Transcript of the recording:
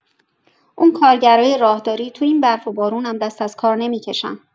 اون کارگرهای راهداری توی این برف و بارون هم دست از کار نمی‌کشن.